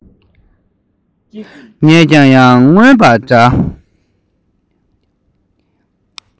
ང ཡིས ཀྱང རྔན པ འདྲ